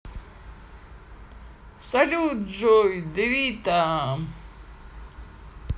салют джой девита